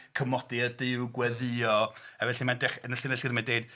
Cymodi â Duw, gweddïo a felly mae'n dech- Yn y llinell hyn mae'n dweud;